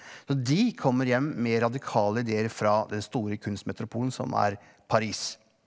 så de kommer hjem med radikale ideer fra den store kunstmetropolen som er Paris.